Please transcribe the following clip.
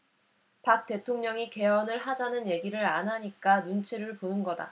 박 대통령이 개헌을 하자는 얘기를 안 하니까 눈치를 보는 거다